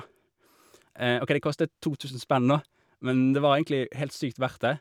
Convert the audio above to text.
OK, det kostet to tusen spenn, da, men det var egentlig helt sykt verdt det.